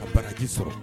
ka baraji sɔrɔ